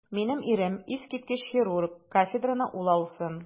Минем ирем - искиткеч хирург, кафедраны ул алсын.